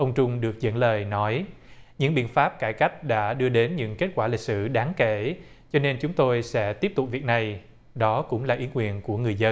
ông trung được dẫn lời nói những biện pháp cải cách đã đưa đến những kết quả lịch sử đáng kể cho nên chúng tôi sẽ tiếp tục việc này đó cũng là ủy quyền của người dân